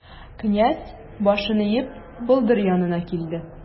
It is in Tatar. Князь, башын иеп, болдыр янына килде.